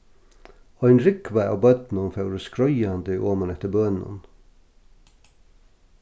ein rúgva av børnum fóru skreiðandi oman eftir bønum